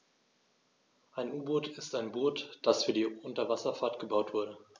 Ein U-Boot ist ein Boot, das für die Unterwasserfahrt gebaut wurde.